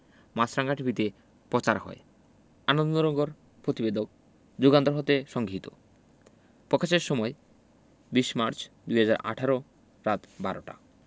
মাছরাঙা টিভিতে পচার হয় আনন্দনগর পতিবেদক যুগান্তর হতে সংগিহীত পকাশের সময় ২০মার্চ ২০১৮ রাত ১২:০০ টা